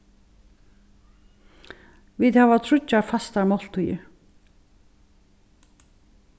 vit hava tríggjar fastar máltíðir